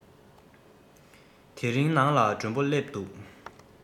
དེ རིང ནང ལ མགྲོན པོ སླེབས འདུག